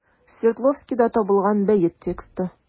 Свердловскида табылган бәет тексты.